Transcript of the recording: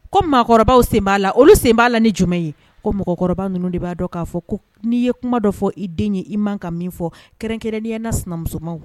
Ko maakɔrɔba sen b'a la olu sen b'a la ni jumɛn ye ko mɔgɔkɔrɔba ninnu de b'a dɔn k'a fɔ ko n'i ye kuma dɔ fɔ i den ye i man ka min fɔ kɛrɛnkɛrɛninya na sinamusoma